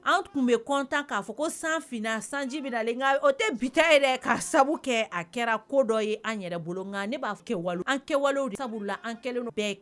An tun bɛ kɔn k'a fɔ ko san fna sanji minalen o tɛ bita yɛrɛ ka sabu kɛ a kɛra ko dɔ ye an yɛrɛ bolo kan ne b'a fɔ kɛ wali an kɛwale de sabu an kɛlen bɛɛ